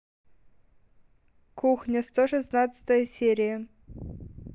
кухня сто шестнадцатая серия